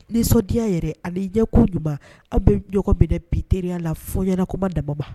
Nisɔndiya yɛrɛ ani ɲɛkun ɲuman. Aw bɛɛ bi ɲɔgɔn minɛ bi teriya la fɔ ɲɛnakuma dama.